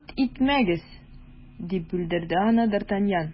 - ант итмәгез, - дип бүлдерде аны д’артаньян.